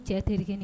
Cɛ terikɛnin